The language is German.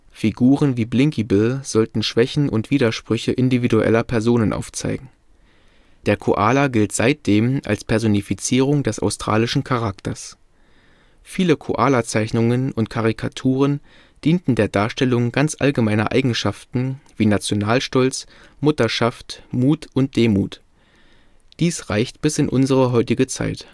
Figuren wie Blinky Bill sollten Schwächen und Widersprüche individueller Personen aufzeigen. Der Koala gilt seitdem als Personifizierung des australischen Charakters. Viele Koala-Zeichnungen und - Karikaturen dienten der Darstellung ganz allgemeiner Eigenschaften wie Nationalstolz, Mutterschaft, Mut und Demut. Dies reicht bis in unsere heutige Zeit